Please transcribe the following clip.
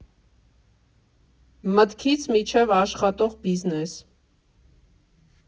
Մտքից մինչև աշխատող բիզնես։